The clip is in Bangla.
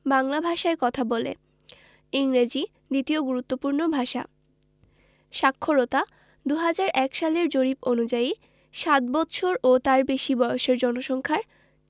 বাংলা ভাষায় কথা বলে ইংরেজি দ্বিতীয় গুরুত্বপূর্ণ ভাষা সাক্ষরতাঃ ২০০১ সালের জরিপ অনুযায়ী সাত বৎসর ও তার বেশি বয়সের জনসংখ্যার